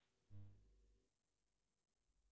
да заткнитесь вы все это